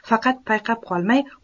faqat payqab qolmay